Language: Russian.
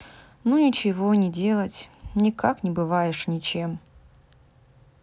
ну ничего не делать никак не бываешь ничем